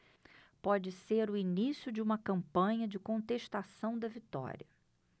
pode ser o início de uma campanha de contestação da vitória